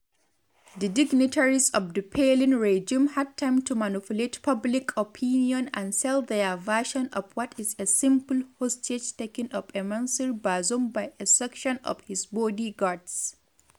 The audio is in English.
The dignitaries of the fallen regime had time to manipulate public opinion and sell their version of what is a simple hostage-taking of Monsieur Bazoum by a section of his bodyguards.